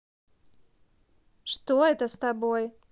что это с тобой